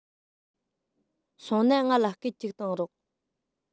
སོང ན ང ལ སྐད ཅིག གཏོང རོགས